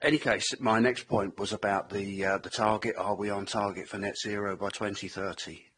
Any case, my next point was about the err the target, are we on target for net zero by twenty thirty?